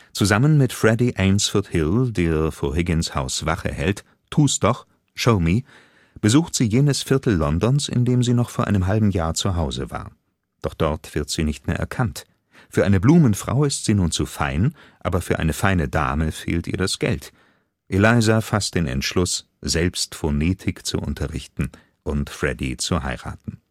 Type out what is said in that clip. Zusammen mit Freddy Eynsford-Hill, der vor Higgins Haus Wache hält, (Tu’ s doch! / Show Me) besucht sie jenes Viertel Londons, in dem sie noch vor einem halben Jahr zu Hause war. Doch dort wird sie nicht mehr erkannt. Für eine Blumenfrau ist sie nun zu fein, aber für eine feine Dame fehlt ihr das Geld. Eliza fasst den Entschluss, selbst Phonetik zu unterrichten und Freddy zu heiraten